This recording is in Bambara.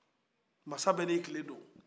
masa bɛɛ na tile don